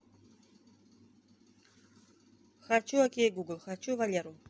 хочу окей google хочу валеру